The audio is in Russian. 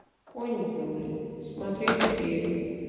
конь юлий смотреть фильм